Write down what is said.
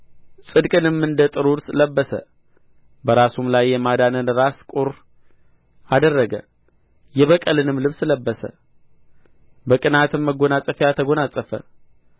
ጽድቅንም እንደ ጥሩር ለበሰ በራሱም ላይ የማዳንን ራስ ቍር አደረገ የበቀልንም ልብስ ለበሰ በቅንዓትም መጐናጸፊያ ተጐናጸፈ